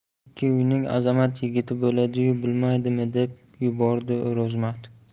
ikki uyning azamat yigiti bo'ladi yu bilmaydimi deb yubordi o'rozmat